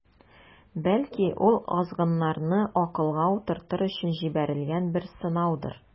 Бәлки, ул азгыннарны акылга утыртыр өчен җибәрелгән бер сынаудыр.